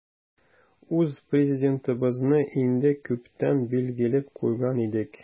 Үз Президентыбызны инде күптән билгеләп куйган идек.